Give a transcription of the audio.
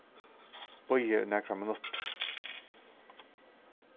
bíðið í nakrar minuttir